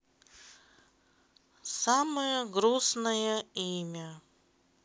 самое грустное имя